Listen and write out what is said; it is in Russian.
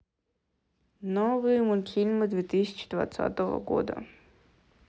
новые мультфильмы две тысячи двадцатого года